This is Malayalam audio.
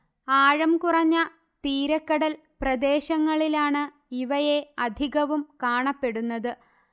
ആഴം കുറഞ്ഞ തീരക്കടൽ പ്രദേശങ്ങളിലാണ് ഇവയെ അധികവും കാണപ്പെടുന്നത്